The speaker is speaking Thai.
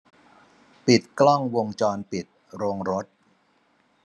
ปิดกล้องวงจรปิดโรงรถ